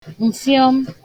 ǹfịọm